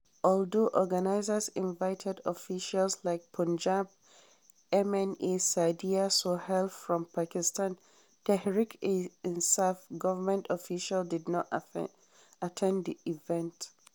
Although organizers invited officials, like Punjab MNA Saadia Sohail from Pakistan Tehreek e Insaf, government officials didn't attend the event.